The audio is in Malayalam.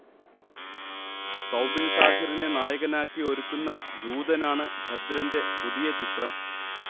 സൗബിൻ ഷാഹിറിനെ നായകനാക്കി ഒരുക്കുന്ന ജൂതനാണ് ദഭ്രന്റെ പുതിയ ചിത്രം